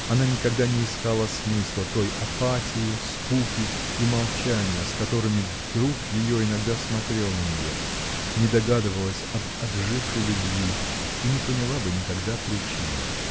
Она никогда не искала смысла той апатии, скуки и молчания, с которыми друг ее иногда смотрел на нее, не догадывалась об отжившей любви и не поняла бы никогда причин.